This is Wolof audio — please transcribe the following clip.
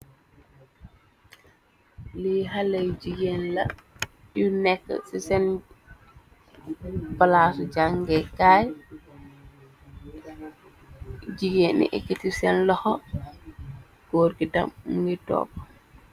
li xaleyu jigéen la yu nekk ci seen palaasu jàngee kaay jigéni ekitu seen loxo góor gi dem m ngi topp